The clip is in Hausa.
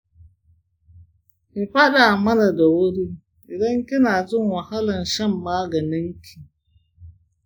ki faɗa mana da wuri idan kina jin wahalan shan maganinki.